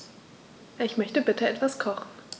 Ich möchte bitte etwas kochen.